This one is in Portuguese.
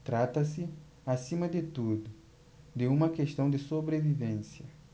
trata-se acima de tudo de uma questão de sobrevivência